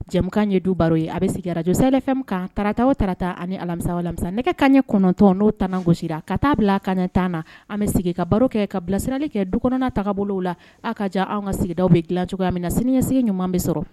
Jɛkan ye du baro ye a bɛ sigijsɛlɛfɛnmu kan tarata o tarata ani alamisa alamisa nɛgɛ ka ɲɛ kɔnɔntɔn n'o tgosira ka taa bila a kan ɲɛ taama na an bɛ sigi ka baro kɛ ka bilasirali kɛ du kɔnɔnataa bolo la aw ka jan an ka sigida bɛ dilan cogoyaya min na sinisigi ɲuman bɛ sɔrɔ